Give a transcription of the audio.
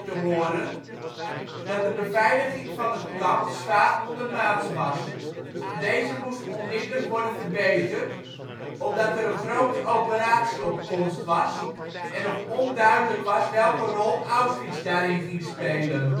horen dat de beveiliging van het kamp zwaar ondermaats was. Deze moest onmiddellijk worden verbeterd, omdat er een grote operatie op komst was en nog onduidelijk was welke rol Auschwitz daarin ging spelen. De